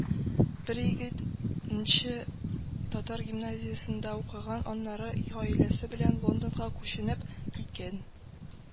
Бер егет нче татар гимназиясендә укыган, аннары гаиләсе белән Лондонга күченеп киткән